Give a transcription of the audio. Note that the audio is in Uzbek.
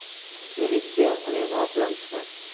militsiya uning ortidan tushgan